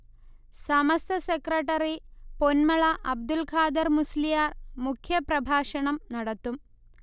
സമസ്ത secretary Ponmala Abdulkhader Musliyar മുഖ്യപ്രഭാഷണം നടത്തും